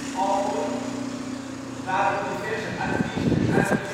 Album (waarop diverse artiesten uit